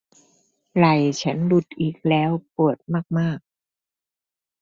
ไหล่ฉันหลุดอีกแล้วปวดมากมาก